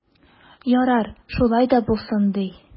Ярар, шулай да булсын ди.